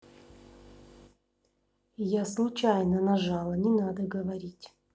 я случайно нажала не надо говорить